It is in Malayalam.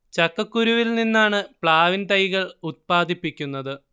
ചക്കക്കുരുവിൽ നിന്നാണ് പ്ലാവിൻ തൈകൾ ഉത്പാദിപ്പിക്കുന്നത്